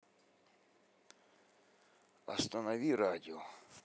останови радио